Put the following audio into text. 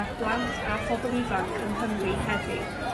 ar blant a phobol ifanc yng Nghymru heddiw